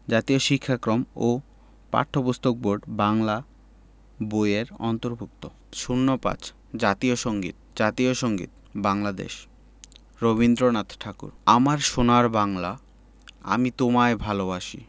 জাতীয় শিক্ষাক্রম ও পাঠ্যপুস্তক বোর্ড বাংলা বই এর অন্তর্ভুক্ত ০৫ জাতীয় সংগীত জাতীয় সংগীত বাংলাদেশ রবীন্দ্রনাথ ঠাকুর আমার সোনার বাংলা আমি তোমায় ভালোবাসি